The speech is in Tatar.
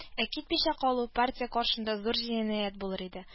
Ә китмичә калу партия каршында зур җинаять булыр иде